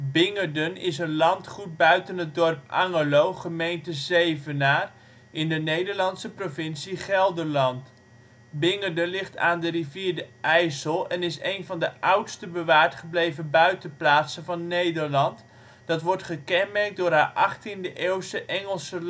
Bingerden is een landgoed buiten het dorp Angerlo (gemeente Zevenaar) in de Nederlandse provincie Gelderland. Bingerden ligt aan de rivier de IJssel en is een van de oudste bewaard gebleven buitenplaatsen van Nederland, dat wordt gekenmerkt door haar 18de-eeuwse Engelse